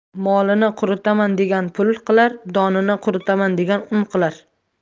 molini quritaman degan pul qilar donini quritaman degan un qilar